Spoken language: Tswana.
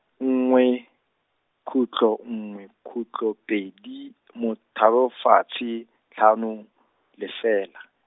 nngwe, khutlo nngwe khutlo pedi, mothalofatshe, tlhano, lefela.